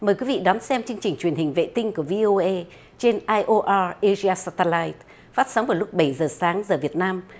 mời quý vị đón xem chương trình truyền hình vệ tinh của vi ô ây trên ai ô a ia gi a sờ ta lai phát sóng vào lúc bảy giờ sáng giờ việt nam